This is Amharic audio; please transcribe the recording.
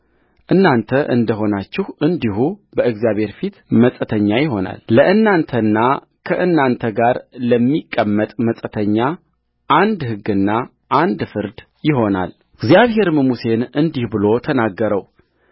እናንተ እንደ ሆናችሁ እንዲሁ በእግዚአብሔር ፊት መጻተኛ ይሆናልለእናንተና ከእናንተ ጋር ለሚቀመጥ መጻተኛ አንድ ሕግና አንድ ፍርድ ይሆናልእግዚአብሔርም ሙሴን እንዲህ ብሎ ተናገረው